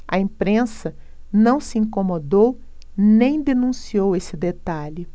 a imprensa não se incomodou nem denunciou esse detalhe